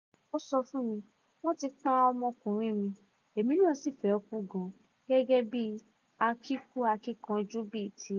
Ó sọ fún mi: "Wọ́n ti pa ọmọkùnrin mi, èmi nàá sì fẹ́ kú gan, gẹ́gẹ́ bíi akíkú-akíkanjú, bíi tiẹ̀.